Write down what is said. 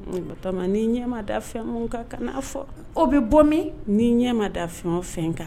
Un Bato ni ɲɛ ma da fɛn mun kan ka na fɔ. O bɛ bɔ min ?. Ni ɲɛ ma da fɛn o fɛn kan